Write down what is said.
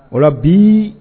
O la bi